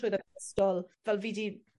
...trwyddo ysgol fel fi 'di